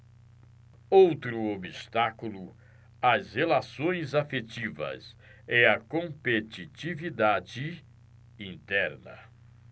outro obstáculo às relações afetivas é a competitividade interna